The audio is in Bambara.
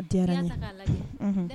A diyara an ye